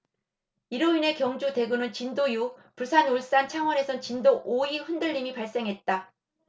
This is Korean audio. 이로 인해 경주 대구는 진도 육 부산 울산 창원에선 진도 오 의 흔들림이 발생했다